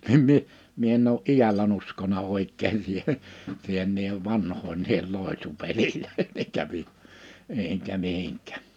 niin minä minä en ole iälläni uskonut oikein siihen siihen niiden vanhojen niihin loitsupeleihin eikä - enkä mihinkään